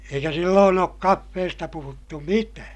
eikä silloin ole kahvista puhuttu mitään